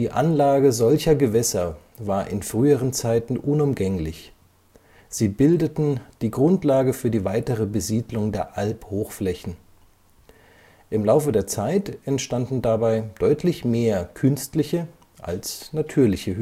Anlage solcher Gewässer war in früheren Zeiten unumgänglich, sie bildeten die Grundlage für die weitere Besiedlung der Albhochflächen. Im Laufe der Zeit entstanden dabei deutlich mehr künstliche als natürliche